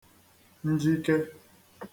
njike